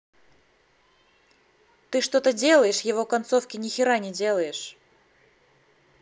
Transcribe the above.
ты что то делаешь его концовке нихера не делаешь